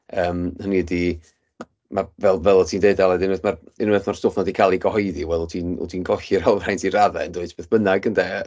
Yym, hynny ydi ma' fel fel o't ti'n deud Aled, unwaith ma'r unwaith ma'r stwff 'ma 'di cael ei gyhoeddi, wel wyt ti'n wyt ti'n colli'r hawlfraint i raddau yn dwyt, beth bynnag ynde?